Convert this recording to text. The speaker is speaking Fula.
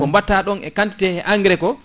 ko batta ɗong e quantité engrais ko